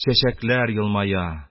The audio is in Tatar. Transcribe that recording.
Чәчәкләр елмая...